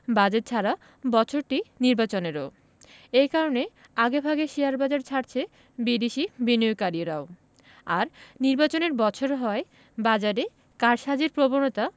budget ছাড়া বছরটি নির্বাচনেরও এ কারণে আগেভাগে শেয়ারবাজার ছাড়ছে বিদেশি বিনিয়োগকারীরাও আর নির্বাচনের বছর হওয়ায় বাজারে কারসাজির প্রবণতা